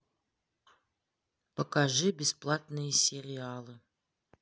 покажи бесплатные сериалы